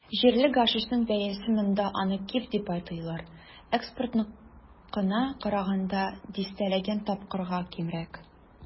Җирле гашишның бәясе - монда аны "киф" дип атыйлар - экспортныкына караганда дистәләгән тапкырга кимрәк.